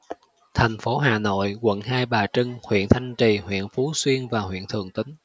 thành phố hà nội quận hai bà trưng huyện thanh trì huyện phú xuyên và huyện thường tín